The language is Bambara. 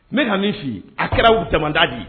N bɛ kami fili a kɛra u tada di